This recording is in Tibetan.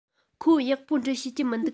ཁོས ཡག པོ འབྲི ཤེས ཀྱི མི འདུག